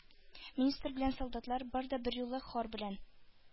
Министр белән солдатлар бар да берьюлы хор белән: